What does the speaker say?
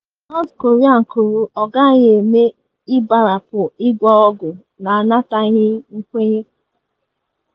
North Korea kwuru “ọ gaghị eme” ịgbarapụ ngwa ọgụ na anataghị nkwenye